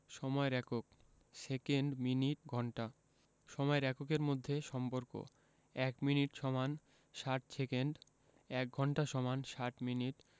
সময়ের এককঃ second minute ঘন্টা সময়ের এককের মধ্যে সম্পর্কঃ ১ মিনিট = ৬০ সেকেন্ড ১ঘন্টা = ৬০ মিনিট